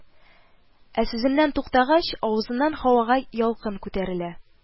Ә сүзеннән туктагач, авызыннан һавага ялкын күтәрелә